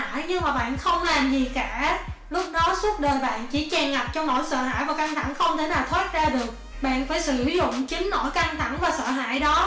nhưng mà bạn không làm gì cả lúc đó cuộc đời bạn chỉ tràn ngập trong nỗi căng thẳng sợ hãi không thể nào thoát ra được bạn phải sử dụng chính nỗi căng thẳng và sợ hãi đó